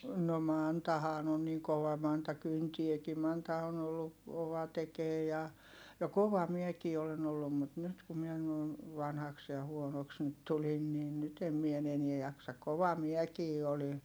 no Mantahan on niin kova Manta kyntääkin Manta on ollut kova tekemään ja ja kova minäkin olen ollut mutta nyt kun minä noin vanhaksi ja huonoksi nyt tulin niin nyt en minä en enää jaksa kova minäkin olin